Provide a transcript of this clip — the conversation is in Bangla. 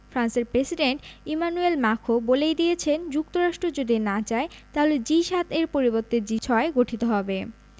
ফ্রান্সের প্রেসিডেন্ট ইমানুয়েল মাখোঁ বলেই দিয়েছেন যুক্তরাষ্ট্র যদি না চায় তাহলে জি ৭ এর পরিবর্তে জি ৬ গঠিত হবে